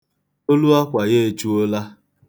Olu akwa ya echuola.